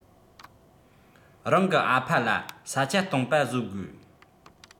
རང གི ཨ ཕ ལ ས ཆ སྟོང པ བཟོ དགོས